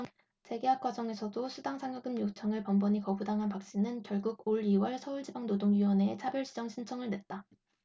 재계약 과정에서도 수당 상여금 요청을 번번이 거부당한 박씨는 결국 올 이 월 서울지방노동위원회에 차별시정 신청을 냈다